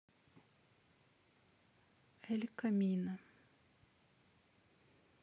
эль камино